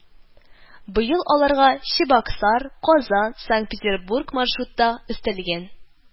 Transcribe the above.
Быел аларга Чабаксар-Казан-Санкт-Петербург маршруты да өстәлгән